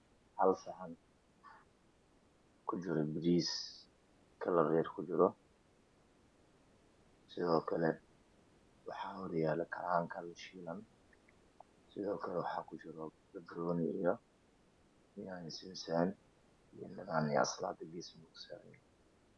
Meeshani waxaa inoo yaala saxaman waxaa saran labo cad oo cadaan ah io saakad jaale ah xijaab cadays ah